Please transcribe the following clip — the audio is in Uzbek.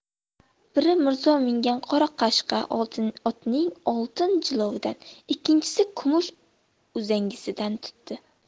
biri mirzo mingan qora qashqa otning oltin jilovidan ikkinchisi kumush uzangisidan tutdi